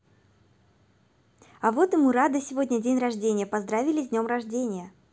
а вот и мурада сегодня день рождения поздравили с днем рождения